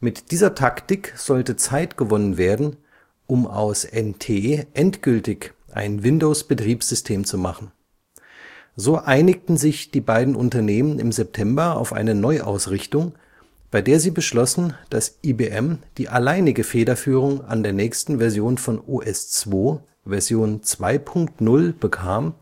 Mit dieser Taktik sollte Zeit gewonnen werden, um aus NT endgültig ein Windows-Betriebssystem zu machen. So einigten sich die beiden Unternehmen im September auf eine Neuausrichtung, bei der sie beschlossen, dass IBM die alleinige Federführung an der nächsten Version von OS/2, Version 2.0 bekam,